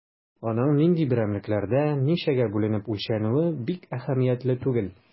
Аның нинди берәмлекләрдә, ничәгә бүленеп үлчәнүе бик әһәмиятле түгел.